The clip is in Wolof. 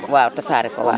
waaw tasaare ko waaw